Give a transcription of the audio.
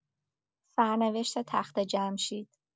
سرنوشت تخت‌جمشید